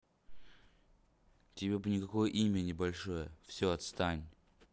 тебе бы никакое имя небольшое все отстань